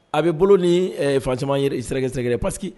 A bɛ bolo ni fan caaman sɛrɛgɛ sɛrɛgɛ dɛ parce que